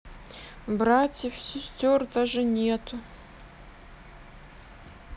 братьев сестер даже нету